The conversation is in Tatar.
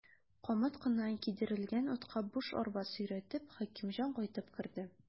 Камыт кына кидерелгән атка буш арба сөйрәтеп, Хәкимҗан кайтып керде.